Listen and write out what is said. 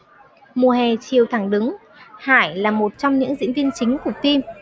mùa hè chiều thẳng đứng hải là một trong những diễn viên chính của phim